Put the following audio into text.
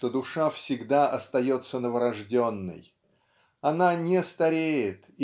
что душа всегда остается новорожденной? Она не стареет